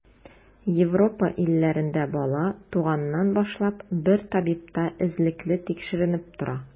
Европа илләрендә бала, туганнан башлап, бер табибта эзлекле тикшеренеп тора.